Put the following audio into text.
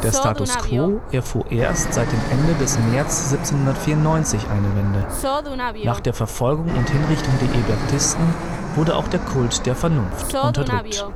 Status quo erfuhr erst seit dem Ende des März 1794 eine Wende; nach der Verfolgung und Hinrichtung der Hébertisten wurde auch der Kult der Vernunft unterdrückt